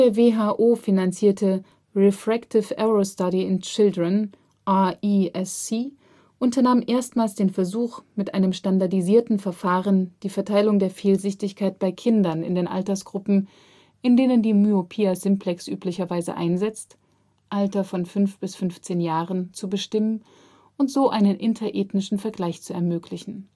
WHO finanzierte Refractive Error Study in Children (RESC) unternahm erstmals den Versuch, mit einem standardisierten Verfahren die Verteilung der Fehlsichtigkeit bei Kindern in den Altersgruppen, in denen die Myopia simplex üblicherweise einsetzt (Alter von 5 – 15 Jahre), zu bestimmen und so einen interethnischen Vergleich zu ermöglichen